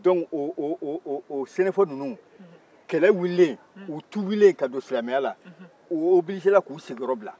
o sɛnɛfo ninnu kɛlɛ wililen u tuubilen ka don silamɛya la u obilijera k'u sigiyɔrɔ bila